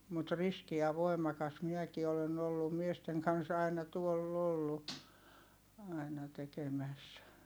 mutta riski ja voimakas minäkin olen ollut miesten kanssa aina tuolla ollut aina tekemässä